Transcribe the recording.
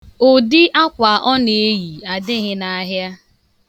Ụdị akwa ọ na-eyi adịghị n'ahịa.